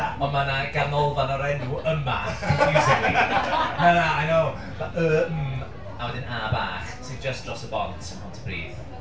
Ond mae 'na ganolfan o'r enw yma confusingly. Na na, I know! y m, a wedyn a bach sydd jyst dros y bont yn Pontypridd.